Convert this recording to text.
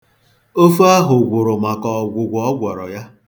Ofe ahụ gwụrụ maka ọgwụgwọ ọ gwọrọ ya.